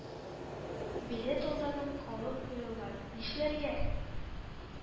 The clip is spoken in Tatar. Билет алдан ук алып куелган. Нишләргә?